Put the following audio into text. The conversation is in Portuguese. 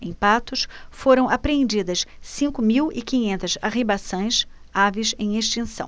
em patos foram apreendidas cinco mil e quinhentas arribaçãs aves em extinção